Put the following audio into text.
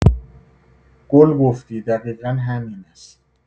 گل گفتی، دقیقا همین است.